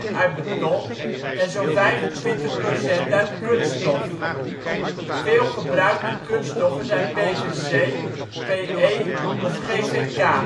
uit beton en zo 'n 25 % uit kunststof. Veelgebruikte kunststoffen zijn PVC, PE of GVK